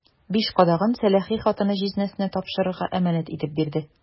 Биш кадагын сәләхи хатыны җизнәсенә тапшырырга әманәт итеп бирде.